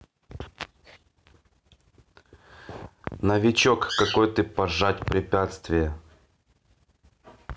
новичок какой ты пожать препятствия